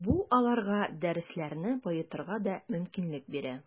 Бу аларга дәресләрне баетырга да мөмкинлек бирә.